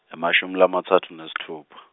emashumi lamatsatfu nesitfupha.